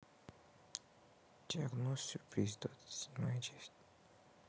диагноз сюрприз двадцать седьмая часть